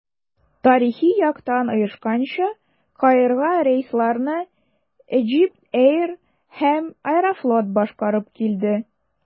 Тарихи яктан оешканча, Каирга рейсларны Egypt Air һәм «Аэрофлот» башкарып килде.